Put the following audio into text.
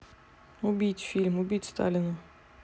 убить фильм убить сталина